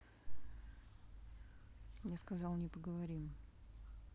я сказал не поговорим